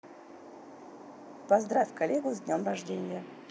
поздравить коллегу с днем рождения